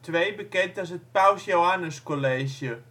bekend als het Paus Joannes College